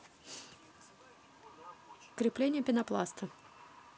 крепление пенопласта